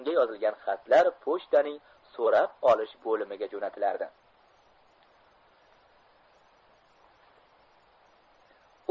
unga yozilgan xatlar pochtaning so'rab olish bo'limiga jo'natilardi